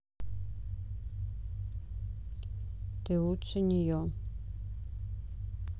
ты лучше нее